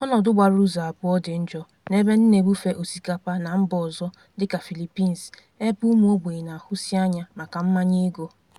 Ọnọdụ gbara ụzọ abụọ dị njọ n'ebe ndị na-ebufe osikapa na mba ọzọ dịka Philippines, ebe ụmụogbenye na-ahusi anya maka mmanye ego.